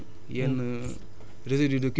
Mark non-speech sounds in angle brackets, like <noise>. <hesitation> di bàyyi yenn